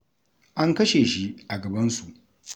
An kashe shi a gabansu.